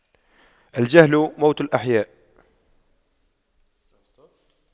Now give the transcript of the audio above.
الجهل موت الأحياء